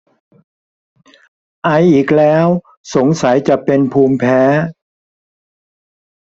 ไออีกแล้วสงสัยจะเป็นภูมิแพ้